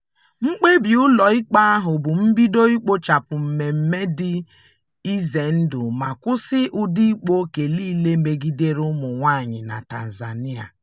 Mkpebi ụlo ikpe ahụ bụ mbido ikpochapụ mmemme ndị dị ize ndụ ma kwụsị ụdị ịkpaoke niile megidere ụmụ nwaanyị na Tanzania.